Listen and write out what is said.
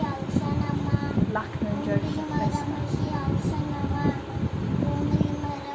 læknin gjørdi sítt besta